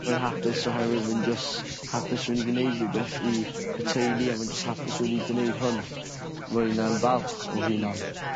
Rwy'n hapus oherwydd rwy'n jys hapus rwy 'di gneud rwbeth i y teulu a rwy'n jys hapus wrwy 'di gwneud hwn. Rwy'n yn falch o hunan.